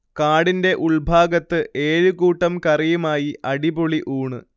കാടിന്റ ഉൾഭാഗത്ത് ഏഴുകൂട്ടം കറിയുമായി അടിപൊളി ഊണ്